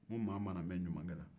n ko maa mana mɛn ɲumankɛ la